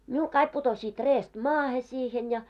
minulla kaikki putosivat reestä maahan siihen ja